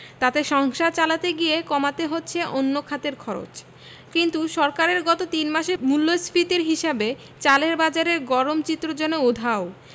তাতে সংসার চালাতে গিয়ে কমাতে হচ্ছে অন্য খাতের খরচ কিন্তু সরকারের গত তিন মাসের মূল্যস্ফীতির হিসাবে চালের বাজারের গরম চিত্র যেন উধাও